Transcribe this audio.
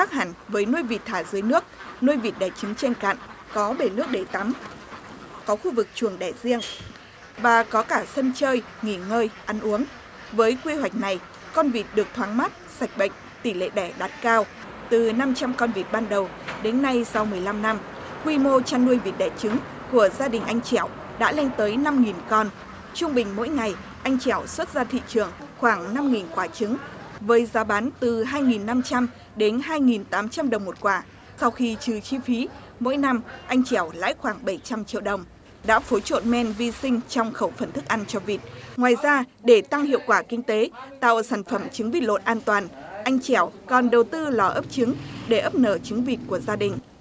khác hẳn với nuôi vịt thả dưới nước nuôi vịt đẻ trứng trên cạn có bể nước để tắm có khu vực chuồng đẻ riêng bà có cả sân chơi nghỉ ngơi ăn uống với quy hoạch này con vịt được thoáng mát sạch bệnh tỷ lệ đẻ đặt cao từ năm trăm con vịt ban đầu đến nay sau mười lăm năm quy mô chăn nuôi vịt đẻ trứng của gia đình anh trẻo đã lên tới năm nghìn con trung bình mỗi ngày anh chẻo xuất ra thị trường khoảng năm nghìn quả trứng với giá bán từ hai nghìn năm trăm đến hai nghìn tám trăm đồng một quả sau khi trừ chi phí mỗi năm anh chèo lái khoảng bảy trăm triệu đồng đã phối trộn men vi sinh trong khẩu phần thức ăn cho vịt ngoài ra để tăng hiệu quả kinh tế tàu sản phẩm trứng vịt lộn an toàn anh chẻo còn đầu tư lò ấp trứng để ấp nở trứng vịt của gia đình